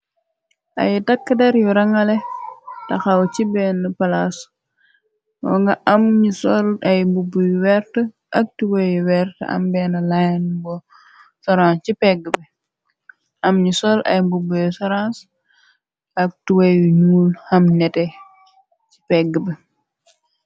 Ay takk der yu rangale taxaw ci benn palaas nga am ñu sol ay mbubb yu wert ak tuwe yu wert am benn line bu sarance ci pegg bi am ñi sol ay mbubb yu saranc ak tuweyu ñul am nete ci pegg bi.